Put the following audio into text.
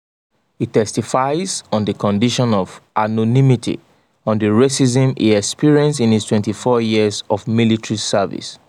He testifies on the condition of anonymity on the racism he experienced in his 24 years of military service: